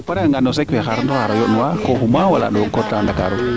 o pare anga no seek fe xar fo xar o yond nuwa ko xuma wala ko reta o ndakaru